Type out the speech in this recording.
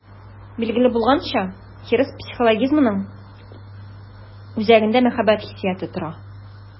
Билгеле булганча, хирыс психологизмының үзәгендә мәхәббәт хиссияте тора.